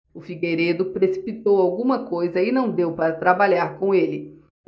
o figueiredo precipitou alguma coisa e não deu para trabalhar com ele